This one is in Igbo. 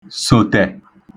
sòtẹ̀